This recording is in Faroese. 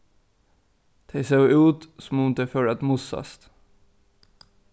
tey sóu út sum um tey fóru at mussast